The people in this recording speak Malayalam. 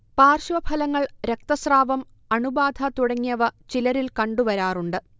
പാർശ്വഫലങ്ങൾ രക്തസ്രാവം, അണുബാധ തുടങ്ങിയവ ചിലരിൽ കണ്ടുവരാറുണ്ട്